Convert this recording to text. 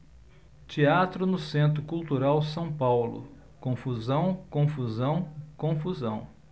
teatro no centro cultural são paulo confusão confusão confusão